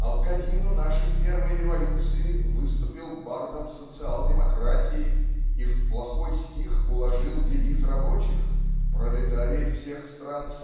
а в годину нашей первой революции выступил бардом социал-демократии и в плохой стих уложил девиз рабочих "Пролетарии всех стран